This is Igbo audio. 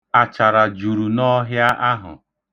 Achara juru n'ọhịa ahụ.